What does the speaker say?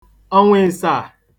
ọnwa ịsaà